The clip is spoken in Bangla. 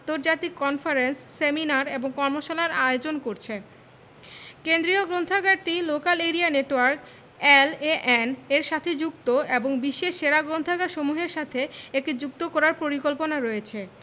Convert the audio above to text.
আন্তর্জাতিক কনফারেন্স সেমিনার এবং কর্মশালার আয়োজন করছে কেন্দ্রীয় গ্রন্থাগারটি লোকাল এরিয়া নেটওয়ার্ক এলএএন এর সাথে যুক্ত এবং বিশ্বের সেরা গ্রন্থাগারসমূহের সাথে একে যুক্ত করার পরিকল্পনা রয়েছে